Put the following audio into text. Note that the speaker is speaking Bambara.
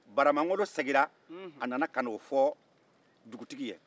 baramangolo seginna a nana ka n'o fɔ dugutigi ye